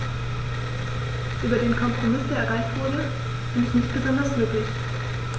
Über den Kompromiss, der erreicht wurde, bin ich nicht besonders glücklich.